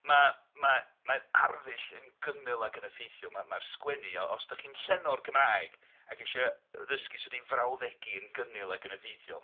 Mae... mae... mae'r arddull yn gynnil ac yn effeithiol, mae'r sgwennu os dach chi'n llenor Cymraeg ac eisiau ddysgu sut i frawddegu yn gynnil ac yn effeithiol.